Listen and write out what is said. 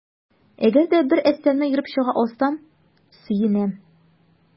Әгәр дә бер әсәрне ерып чыга алсам, сөенәм.